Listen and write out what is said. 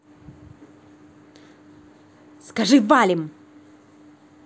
скажи валим